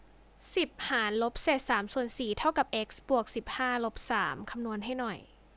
สิบหารลบเศษสามส่วนสี่เท่ากับเอ็กซ์บวกสิบห้าลบสามคำนวณให้หน่อย